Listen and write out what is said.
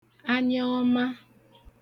anyọọma